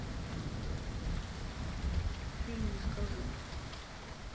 фильм не скажу